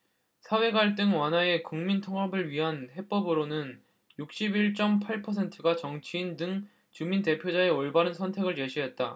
사회갈등 완화와 국민통합을 위한 해법으로는 육십 일 쩜 팔 퍼센트가 정치인 등 주민대표자의 올바른 선택을 제시했다